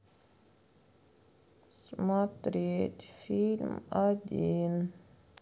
смотреть фильм один